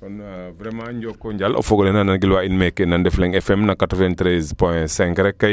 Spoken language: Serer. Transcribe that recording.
kon vraiment Njoko njal o fogole na nan giloxa in meeke na Ndefleng FM na 93 point 5 rek